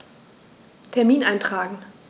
Termin eintragen